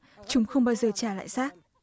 chúng không bao giờ trả lại xác